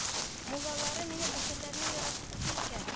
Муллалары минем әсәрләрне яратып укый икән